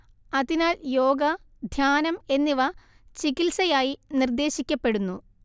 അതിനാൽ യോഗ ധ്യാനം എന്നിവ ചികിത്സയായി നിർദ്ദേശിക്കപ്പെടുന്നു